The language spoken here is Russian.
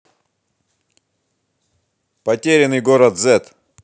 потерянный город зет